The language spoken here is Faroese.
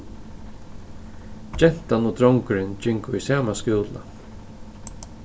gentan og drongurin gingu í sama skúla